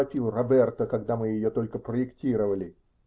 -- вопил Роберто, когда мы ее только проектировали.